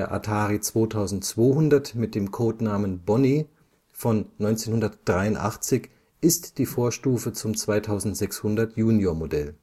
Atari 2200 (Codename „ Bonnie “) von 1983 ist die Vorstufe zum 2600 Junior-Modell